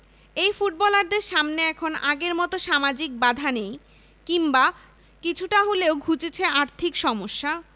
এই ফুটবলারদের সামনে এখন আগের মতো সামাজিক বাধা নেই কিংবা কিছুটা হলেও ঘুচেছে আর্থিক সমস্যা